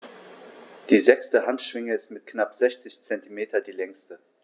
Die sechste Handschwinge ist mit knapp 60 cm die längste.